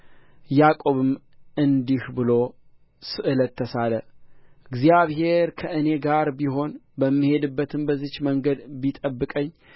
ያዕቆብም እንዲህ ብሎ ስእለት ተሳለ እግዚአብሔር ከእኔ ጋር ቢሆን በምሄድባትም በዚች መንገድ ቢጠብቀኝ